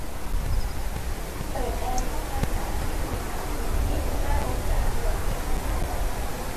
เปิดแอร์ห้องอาหารที่อุณหภูมิยี่สิบห้าองศาเซลเซียส